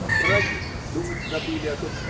в Праге и думать забыли о том.